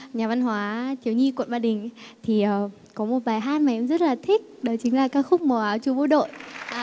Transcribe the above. nhà văn hóa thiếu nhi quận ba đình thì có một bài hát mà em rất là thích đó chính là ca khúc màu áo chú bộ đội